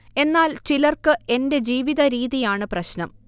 എന്നാൽ ചിലർക്ക് എന്റെ ജീവിത രീതിയാണ് പ്രശ്നം